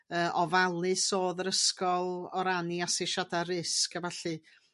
yy ofalus odd yr ysgol o ran 'u asesiada' risg a ballu.